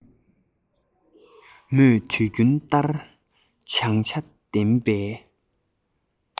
མོས དུས རྒྱུན ལྟར བྱང ཆ ལྡན པའི